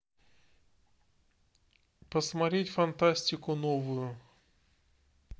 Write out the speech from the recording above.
посмотреть фантастику новую